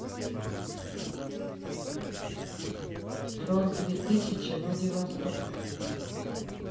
троль две тысячи владивосток